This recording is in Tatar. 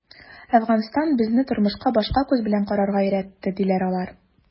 “әфганстан безне тормышка башка күз белән карарга өйрәтте”, - диләр алар.